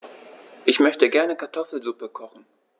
Ich möchte gerne Kartoffelsuppe kochen.